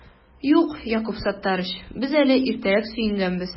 Юк, Якуб Саттарич, без әле иртәрәк сөенгәнбез